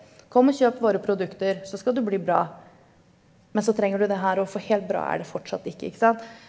kom å kjøp våre produkter så skal du bli bra, men så trenger du det her òg for helt bra er det fortsatt ikke ikke sant.